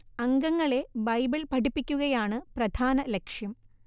അംഗങ്ങളെ ബൈബിൾ പഠിപ്പിക്കുകയാണ് പ്രധാന ലക്ഷ്യം